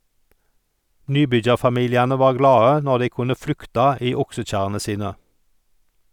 Nybyggjarfamiliane var glade når dei kunne flykta i oksekjerrene sine.